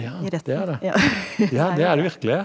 ja det er det ja, det er det virkelig.